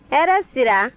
hɛrɛ sira